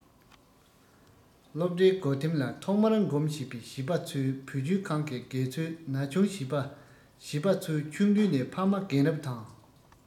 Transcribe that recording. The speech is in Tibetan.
སློབ གྲྭའི སྒོ ཐེམ ལ ཐོག མར འགོམ བཞིན པའི བྱིས པ ཚོའི བུ བཅོལ ཁང གི དགེ ཚོས ན ཆུང བྱིས པ བྱིས པ ཚོས ཆུང དུས ནས ཕ མ རྒན རབས དང